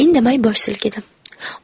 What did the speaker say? indamay bosh silkidim